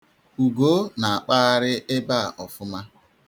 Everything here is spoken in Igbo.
Ugo na-akpagharị ebe a ọfụma.